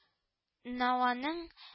Наваның